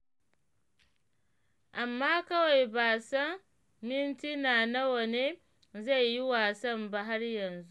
Amma kawai ba san mintina nawa ne zai yi wasan ba har yanzu.